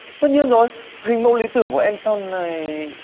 tất nhiên rồi hình mẫu lý tưởng của em sau này